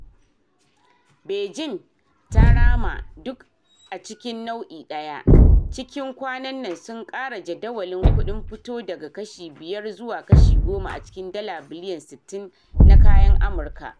Beijing ta rama duk acikin nau'i daya, cikin kwanan nan sun kara jadawalin kuɗin fito daga kashi biyar zuwa kashi goma a cikin dala biliyan 60 na kayan Amurka.